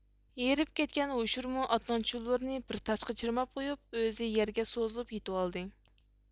ھېرىپ كەتكەن ھوشۇرمۇ ئاتنىڭ چۇلىۋۋۇرىنى بىر تاشقا چىرماپ قويۇپ ئۆزى يەرگە سوزۇلۇپ يېتىۋالدى